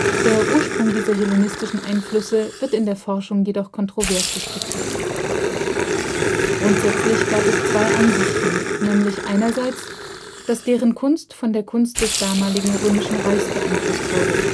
Der Ursprung dieser hellenistischen Einflüsse wird in der Forschung jedoch kontrovers diskutiert. Grundsätzlich gab es zwei Ansichten, nämlich einerseits, dass deren Kunst von der Kunst des damaligen Römischen Reichs beeinflusst wurde